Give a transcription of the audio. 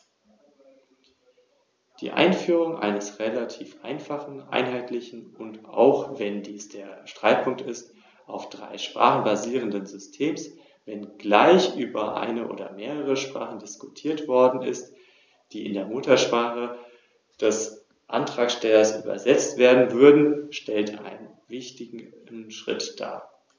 Es geht uns erstens um eine ordnungsgemäße Verwendung der Mittel aus den Struktur- und dem Kohäsionsfonds.